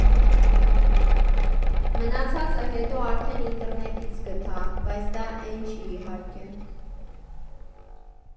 Մնացածը հետո արդեն ինտերնետից գտա, բայց դա էն չի, իհարկե։